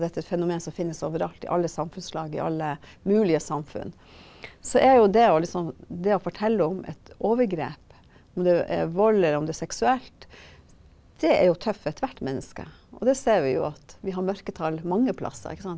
dette er et fenomen som finnes overalt, i alle samfunnslag, i alle mulige samfunn, så er jo det å liksom det å fortelle om et overgrep, om det er vold eller om det er seksuelt, det er jo tøft for ethvert menneske, og det ser vi jo at vi har mørketall mange plasser ikke sant.